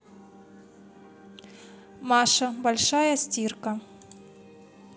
маша большая стирка